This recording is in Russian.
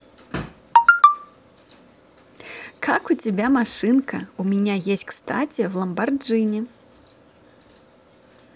как у тебя машинка у меня есть кстати в lamborghini